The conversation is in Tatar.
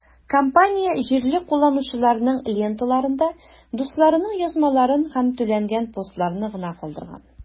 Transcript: Компания җирле кулланучыларның ленталарында дусларының язмаларын һәм түләнгән постларны гына калдырган.